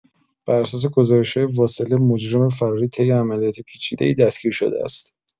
بر اساس گزارش‌های واصله، مجرم فراری طی عملیات پیچیده‌ای دستگیر شده است.